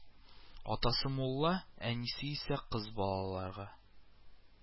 Атасы мулла, әнисе исә к ы з балаларга